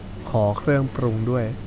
ขอเครื่องปรุงด้วย